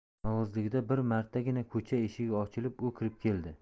yolg'izligida bir martagina ko'cha eshigi ochilib u kirib keldi